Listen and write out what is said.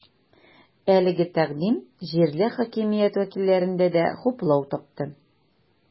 Әлеге тәкъдим җирле хакимият вәкилләрендә дә хуплау тапты.